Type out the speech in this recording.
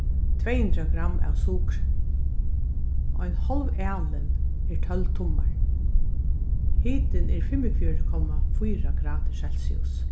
tvey hundrað gramm av sukri ein hálv alin er tólv tummar hitin er fimmogfjøruti komma fýra gradir celsius